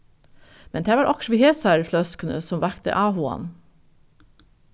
men tað var okkurt við hesari fløskuni sum vakti áhugan